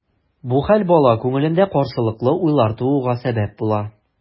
Бу хәл бала күңелендә каршылыклы уйлар тууга сәбәп була.